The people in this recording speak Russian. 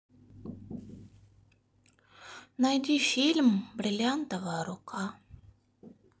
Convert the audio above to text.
найди фильм бриллиантовая рука